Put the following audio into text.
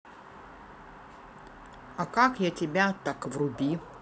а как я тебя так вруби